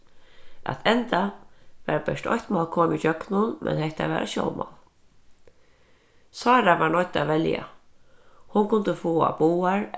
at enda var bert eitt mál komið ígjøgnum men hetta var eitt sjálvmál sára var noydd at velja hon kundi fáa báðar